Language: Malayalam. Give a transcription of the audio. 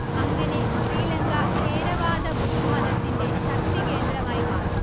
അങ്ങനെ ശ്രീലങ്ക ഥേരവാദ ബുദ്ധമതത്തിന്റെ ശക്തികേന്ദ്രമായി മാറി